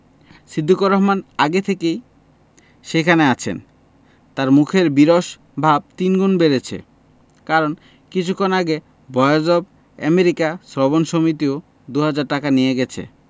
সিদ্দিকুর রহমনি আগে থেকেই সেখানে আছেন তাঁর মুখের বিরস ভাব তিনগুণ বেড়েছে কারণ কিছুক্ষণ আগে ভয়েস অব আমেরিকা শ্রবণ সমিতিও দু হাজার টাকা নিয়ে গেছে